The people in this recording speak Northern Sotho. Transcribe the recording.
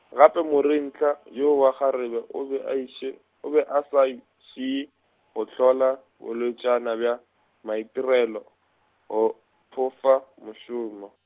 gape morentha woo wa kgarebe o be a iše, o be a sa šie, go hlola bolwetšana bja, maitirelo, go phofa mošomo.